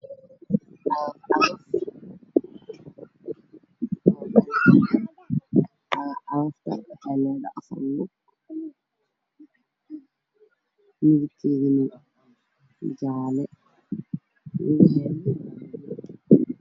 Meeshan waxaa iga muuqda cagaf cagaf oo leh afar lugood midabkeedana waa jaalo